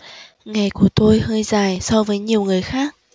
ngày của tôi hơi dài so với nhiều người khác